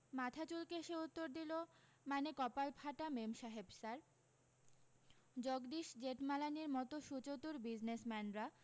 মাথা চুলকে সে উত্তর দিলো মানে কপাল ফাটা মেমসাহেব স্যার জগদীশ জেঠমালানির মতো সুচতুর বিজনেসম্যানরা